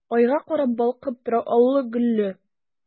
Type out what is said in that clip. Айга карап балкып тора аллы-гөлле!